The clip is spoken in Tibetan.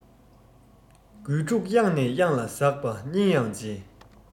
རྒོད ཕྲུག གཡང ནས གཡང ལ ཟགས པ སྙིང ཡང རྗེ